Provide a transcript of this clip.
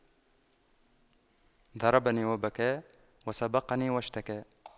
ضربني وبكى وسبقني واشتكى